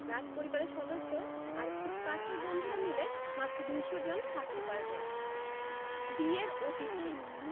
রাজপরিবারের সদস্য আর খুব কাছের বন্ধুরা মিলে মাত্র ২০০ জন থাকতে পারবেন বিয়ের অতিথি